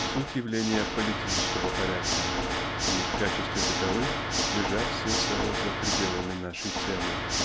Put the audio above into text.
суть явления политического порядка и в качестве таковых лежат всецело за пределами нашей темы.